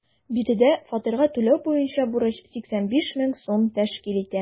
Биредә фатирга түләү буенча бурыч 85 мең сум тәшкил итә.